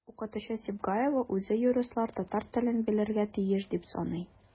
Укытучы Сибгаева үзе юристлар татар телен белергә тиеш дип саный.